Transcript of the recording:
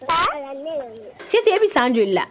Si tɛ e bɛ san joli la